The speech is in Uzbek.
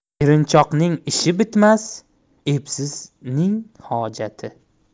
erinchoqning ishi bitmas epsizning hojati